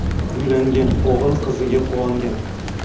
uylangan o'g'il qiziga quvongan